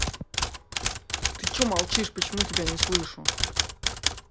ты че молчишь почему тебя не слышу